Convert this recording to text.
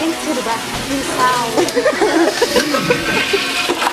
...gen ti rwbath 'c'os dwi'n sal.